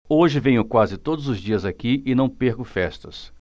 hoje venho quase todos os dias aqui e não perco festas